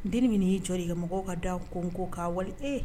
Denin bɛ n'i jɔ de ka mɔgɔw ka da konko k'a wali ee!